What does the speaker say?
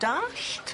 Dallt?